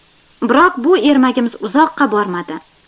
biroq bu ermagimiz uzoqqa bormadi